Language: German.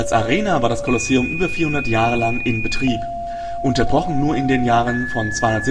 Arena war das Kolosseum über 400 Jahre lang in Betrieb, unterbrochen nur in den Jahren von 217